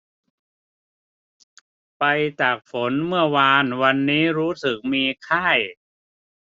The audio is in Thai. ไปตากฝนเมื่อวานวันนี้รู้สึกมีไข้